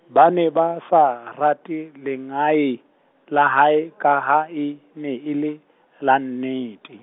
ba ne ba sa, rate, lengae, la hae, ka ha e, ne e le, la nnete.